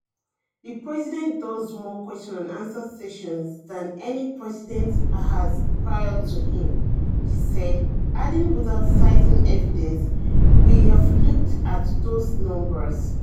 "The president does more Q&A sessions than any president has prior to him," she said, adding without citing evidence: "We've looked at those numbers."